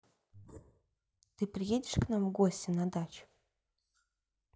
ты приедешь к нам в гости на дачу